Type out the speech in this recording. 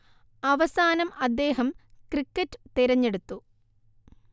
അവസാനം അദ്ദേഹം ക്രിക്കറ്റ് തിരെഞ്ഞെടുത്തു